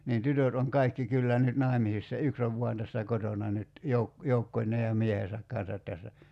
niin tytöt on kaikki kyllä nyt naimisissa yksi on vain tässä kotona nyt - joukkoineen ja miehensä kanssa tässä